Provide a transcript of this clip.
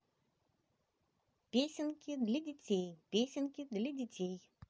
песенки для детей песенки для детей